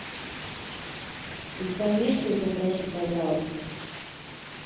исполняй что у тебя прошу пожалуйста